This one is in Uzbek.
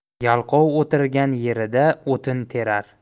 yalqov o'tirgan yerida o'tin terar